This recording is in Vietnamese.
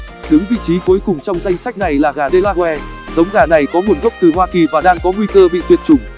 đứng vị trí cuối cùng trong danh sách này là gà delaware giống gà này có nguồn gốc từ hoa kỳ và đang có nguy cơ bị tuyệt chủng